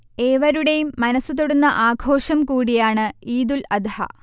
ഏവരുടെയും മനസ്സ് തൊടുന്ന ആഘോഷം കൂടിയാണ് ഈദുൽ അദ്ഹ